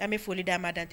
An bɛ foli d'a ma dan tɛ